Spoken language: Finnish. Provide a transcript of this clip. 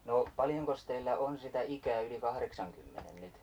noo paljonkos teillä on sitä ikää yli kahdeksankymmenen nyt